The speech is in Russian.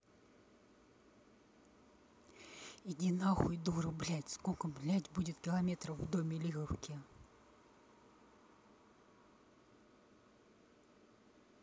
иди нахуй дура блядь сколько блядь будет километров в доме лиговки